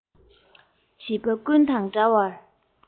བྱིས པ ཀུན དང འདྲ བར